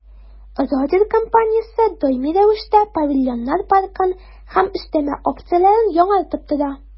«родер» компаниясе даими рәвештә павильоннар паркын һәм өстәмә опцияләрен яңартып тора.